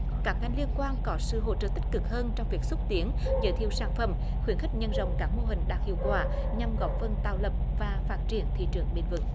các ngành liên quan có sự hỗ trợ tích cực hơn trong việc xúc tiến giới thiệu sản phẩm khuyến khích nhân rộng các mô hình đạt hiệu quả nhằm góp phần tạo lập và phát triển thị trường bền vững